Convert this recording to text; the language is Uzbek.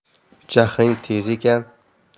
jahling tez ekan